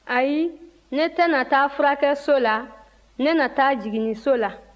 ayi ne tɛna taa furakɛso la ne na taa jiginniso la